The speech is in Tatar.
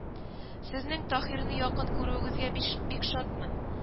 — сезнең таһирны якын күрүегезгә биш бик шатмын